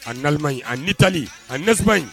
A nalima ɲi a ni taali a nasa ɲi